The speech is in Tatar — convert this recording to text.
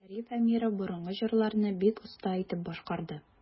Шәриф Әмиров борынгы җырларны бик оста итеп башкарды.